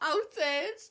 Outed.